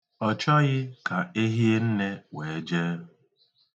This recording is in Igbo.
Ọ chọghị ka e hie nne wee jee.